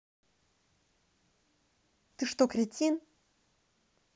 ты что кретин